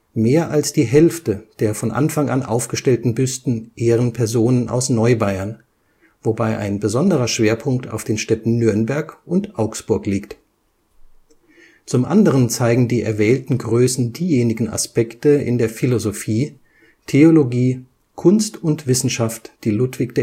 Mehr als die Hälfte der von Anfang an aufgestellten Büsten ehren Personen aus Neubayern, wobei ein besonderer Schwerpunkt auf den Städten Nürnberg und Augsburg liegt. Zum anderen zeigen die erwählten Größen diejenigen Aspekte in der Philosophie, Theologie, Kunst und Wissenschaft, die Ludwig